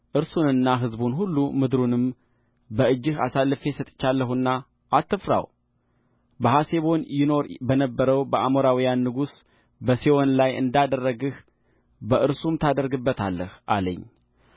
እርሱንና ሕዝቡን ሁሉ ምድሩንም በእጅህ አሳልፌ ሰጥቼአለሁና አትፍራው በሐሴቦን ይኖር በነበረው በአሞራውያን ንጉሥ በሴዎን ላይ እንዳደረግህ በእርሱም ታደርግበታለህ አለኝ